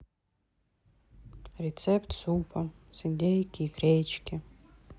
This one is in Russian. рецепт супа с индейки и гречки